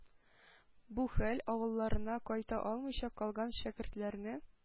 Бу хәл авылларына кайта алмыйча калган шәкертләрне